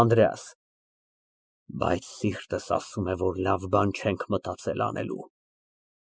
ԱՆԴՐԵԱՍ ֊ Բայց սիրտս ասում է, որ լավ բան չենք մտածել անելու։